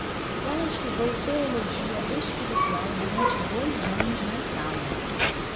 ela estudou teologia espiritual durante dois anos na itália